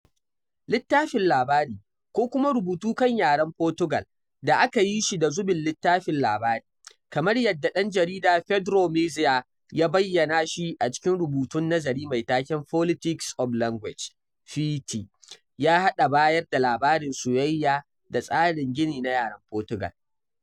Littafin labari – ko kuma “rubutu kan yaren Fotugal da aka yi shi da zubin littafin labari,” kamar yadda ɗan jarida Pedro Mexia ya bayyana shi a cikin rubutun nazari mai taken Politics of Language [pt] – ya haɗa bayar da labarin soyayya da tsarin gini na yaren Fotugal.